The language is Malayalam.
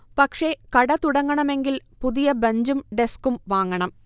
പക്ഷെ കട തുടങ്ങണമെങ്കിൽ പുതിയ ബഞ്ചും ഡസ്ക്കും വാങ്ങണം